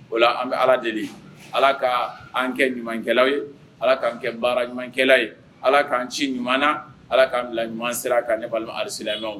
Ola an bɛ ala deli ala k' an kɛ ɲumankɛla ye ala k'an kɛ baara ɲumankɛla ye ala k'an ci ɲuman na ala k'an bila ɲuman sera'a alisila